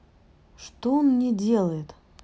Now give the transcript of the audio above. что он мне делает